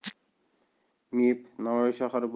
mib navoiy shahar